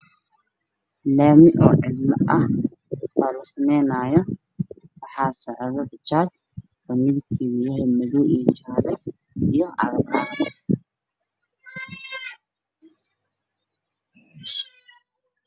Waa lami waxaa maraayo bajaaj guduud ah waxaa soo socda gaari leer u daaran yahay